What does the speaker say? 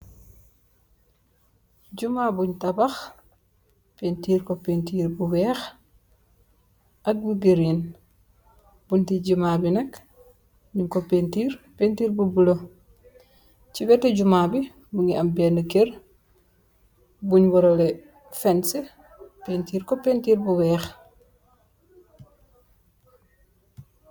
Jumaa buñ tabax pintiir ko pintiir bu weex ak bu gereen bunti jumaan bi nekk luñ ko pntiir pintiir bu bulo ci wete juman bi mu ngi am benn kër buñ warale fenc pintiir ko pentiir bu weex